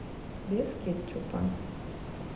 без кетчупа